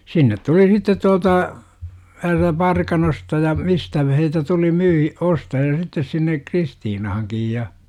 sinne tuli sitten tuolta täältä Parkanosta ja mistä heitä tuli - ostajia sitten sinne Kristiinaankin ja